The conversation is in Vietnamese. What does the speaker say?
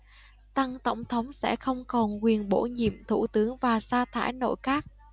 tân tổng thống sẽ không còn quyền bổ nhiệm thủ tướng và sa thải nội các